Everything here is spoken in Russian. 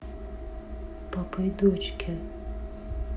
папа и дочки